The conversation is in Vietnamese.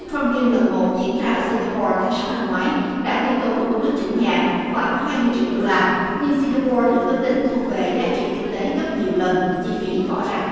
troăm kim lần một diễn ra ở sinh ga po tháng sáu năm ngoái đã tiêu tốn của nước chủ nhà khoảng hai mươi triệu đô la nhưng sinh ga po được ước tính thu về giá trị kinh tế gấp nhiều lần chi phí bỏ ra